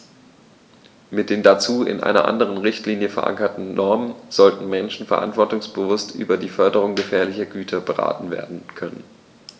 Mit den dazu in einer anderen Richtlinie, verankerten Normen sollten Menschen verantwortungsbewusst über die Beförderung gefährlicher Güter beraten werden können.